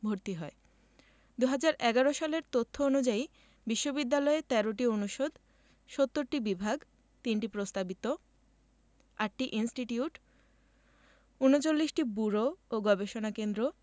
ভর্তি হয় ২০১১ সালের তথ্য অনুযায়ী বিশ্ববিদ্যালয়ে ১৩টি অনুষদ ৭০টি বিভাগ ৩টি প্রস্তাবিত ৮টি ইনস্টিটিউট ৩৯টি ব্যুরো ও গবেষণা কেন্দ্র